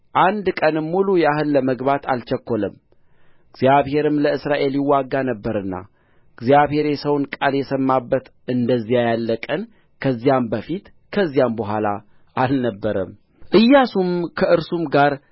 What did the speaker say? አንድ ቀንም ሙሉ ያህል ለመግባት አልቸኰለም እግዚአብሔር ለእስራኤል ይዋጋ ነበርና እግዚአብሔር የሰውን ቃል የሰማበት እንደዚያ ያለ ቀን ከዚያም በፊት ከዚያም በኋላ አልነበረም ኢያሱም ከእርሱም ጋር